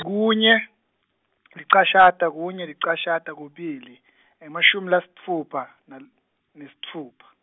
kunye , licashata, kunye, licashata, kubili, emashumi lasitfupha, nal-, nesitfupha.